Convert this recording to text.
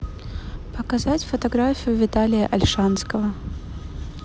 показать фотографию виталия ольшанского